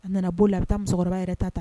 A nana'o la a bɛ taa musokɔrɔba yɛrɛ ta